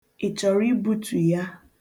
Ị chọrọ ibutu ya?